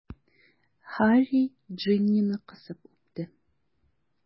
Һарри Джиннины кысып үпте.